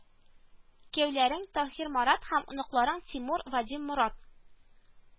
Кияүләрең таһир, марат һәм оныкларың тимур, вадим, морат